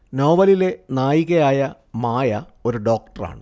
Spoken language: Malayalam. നോവലിലെ നായികയായ മായ ഒരു ഡോക്ടറാണ്